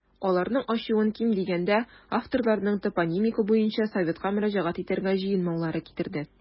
Аларның ачуын, ким дигәндә, авторларның топонимика буенча советка мөрәҗәгать итәргә җыенмаулары китерде.